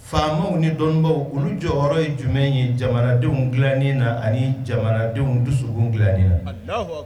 Faamaw ni dɔnbaw olu jɔyɔrɔ ye jumɛn ye jamanadenw dilanen na ani jamanadenw dusu surunugu dila na